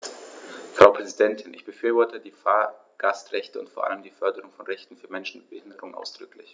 Frau Präsidentin, ich befürworte die Fahrgastrechte und vor allem die Förderung von Rechten für Menschen mit Behinderung ausdrücklich.